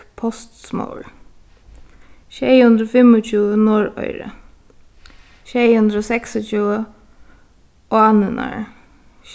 postsmogur sjey hundrað og fimmogtjúgu norðoyri sjey hundrað og seksogtjúgu ánirnar